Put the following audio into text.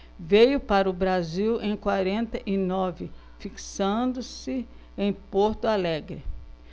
veio para o brasil em quarenta e nove fixando-se em porto alegre